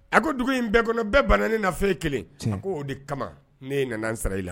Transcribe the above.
A ko dugu in bɛɛ kɔnɔ bɛɛ ban ne na kelen a ko o de kama ne ye nan sara i la